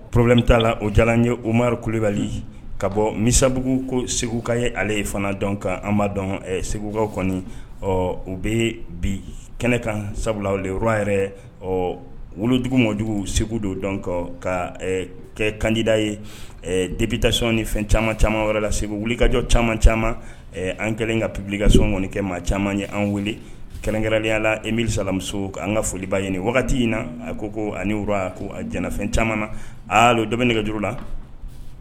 Porobilɛme' o jala ye umari kuli kulubali ka bɔ misabugu ko segu ka ye ale ye fana dɔn kan an dɔn segukaw kɔni o bɛ bi kɛnɛkan sabulaura yɛrɛ ɔ wolodugu mɔjugu segu don dɔn kɔ ka kɛ kandida ye debitacon ni fɛn caman caman wɛrɛ la segu wuli kajɔ caman caman an kɛlen ka ppibikasi kɔniɔni kɛ maa caman ye an weele kɛrɛnkɛrɛnyala e miiriri salamuso an ka folibaa ɲini wagati in na a ko ko ani woro ko jɛnɛfɛn caman na don dɔ bɛ ne ka juruuru la